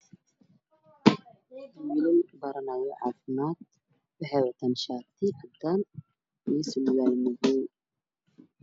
Wiilal baranaayo caafimaad waxay wataan shaati cadaan iyo surwaal madow